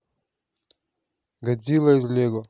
годзилла из лего